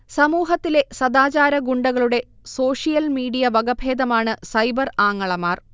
സമൂഹത്തിലെ സദാചാരഗുണ്ടകളുടെ social media വകഭേദമാണ് സൈബർ ആങ്ങളമാർ